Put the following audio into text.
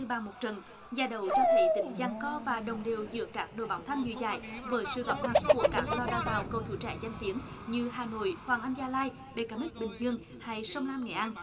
ba một trận da đầu cho thấy tính giằng co và đồng đều giữa các đội bóng tham dự giải bởi sự góp mặt của các lò đào tạo cầu thủ trẻ danh tiếng như hà nội hoàng anh gia lai bê ca mếch bình dương hay sông lam nghệ an